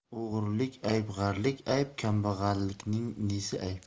o'g'rik ayb g'arlik ayb kambag'allikning nesi ayb